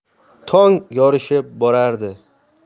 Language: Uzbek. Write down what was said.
tong yorishib borardi